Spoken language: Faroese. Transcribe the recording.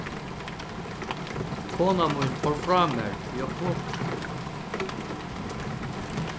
kona mín fór frá mær í oktobur